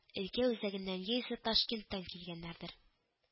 Өлкә үзәгеннән яисә ташкенттан килгәннәрдер